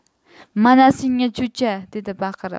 mana senga cho'cha dedi baqirib